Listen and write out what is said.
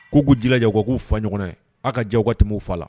K'u ji lajɛ waga'u fa ɲɔgɔn ye aw ka jɛ waatiw faga la